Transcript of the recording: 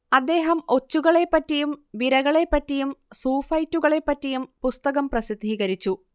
അദ്ദേഹം ഒച്ചുകളെപ്പറ്റിയും വിരകളെപ്പറ്റിയും സൂഫൈറ്റുകളെപ്പറ്റിയും പുസ്തകം പ്രസിദ്ധീകരിച്ചു